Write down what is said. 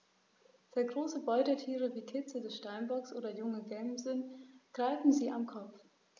Sehr große Beutetiere wie Kitze des Steinbocks oder junge Gämsen greifen sie am Kopf.